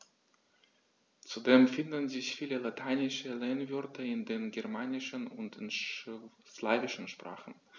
Zudem finden sich viele lateinische Lehnwörter in den germanischen und den slawischen Sprachen.